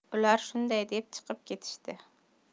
ular shunday deb chiqib ketishdi